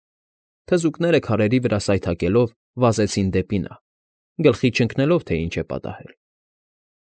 Թզուկները, քարերի վրա սայթաքելով, վազեցին դեպի նա՝ գլխի չընկնելով, թե ինչ է պատահել։